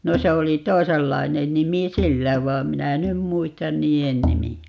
no se oli toisenlainen nimi sillä vaan minä en nyt muista niiden nimiä